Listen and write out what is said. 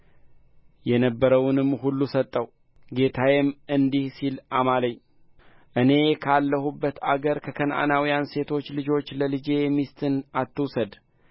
የነበረውንም ሁሉ ሰጠው ጌታዬም እንዲህ ሲል አማለኝ እኔ ካለሁበት አገር ከከነዓናውያን ሴቶች ልጆች ለልጄ ሚስትን አትውሰድ